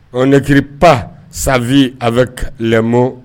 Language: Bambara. O neiri pa sabi a bɛ mo